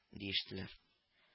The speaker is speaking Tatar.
Диештеләр